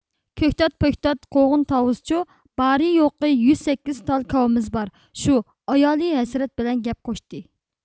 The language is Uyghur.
كۆكتات پۆكتات قوغۇن تاۋۇزچۇ بارى يوقى يۈز سەككىز تال كاۋىمىز بار شۇ ئايالى ھەسرەت بىلەن گەپ قوشتى